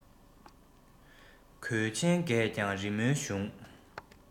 གོས ཆེན རྒས ཀྱང རི མོའི གཞུང